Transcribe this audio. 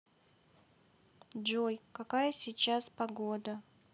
джой какая сейчас погода